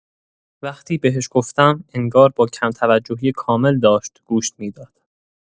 وقتی بهش گفتم، انگار با کم‌توجهی کامل داشت گوش می‌داد.